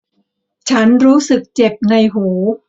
ฉันรู้สึกเจ็บในหู